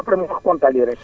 jërëjëf merci beaucoup ah